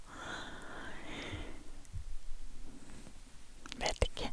Vet ikke.